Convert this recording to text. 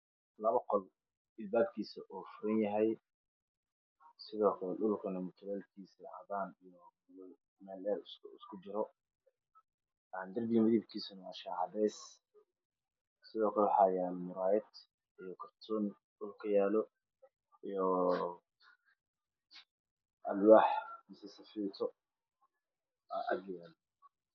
Waa qol midabkiisii hay-addaan reer ayaa ka ifaayo labo albaab ayaa furan dhulka waa mataleyn kartaan ayaa dhulka yaalo wacdaan